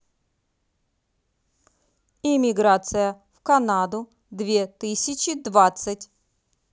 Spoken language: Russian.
иммиграция в канаду две тысячи двадцать